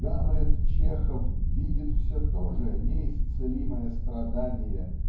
Гамлет-Чехов видит все то же неисцелимое страдание